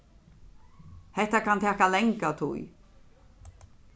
hetta kann taka langa tíð